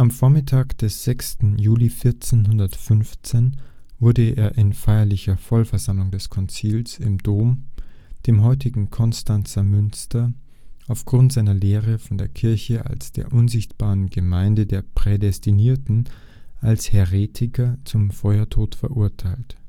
Vormittag des 6. Juli 1415 wurde Hus in feierlicher Vollversammlung des Konzils im Dom, dem späteren Konstanzer Münster, auf Grund seiner Lehre von der „ Kirche als der unsichtbaren Gemeinde der Prädestinierten “als Häretiker zum Feuertod verurteilt